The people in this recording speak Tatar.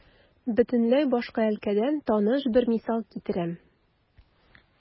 Бөтенләй башка өлкәдән таныш бер мисал китерәм.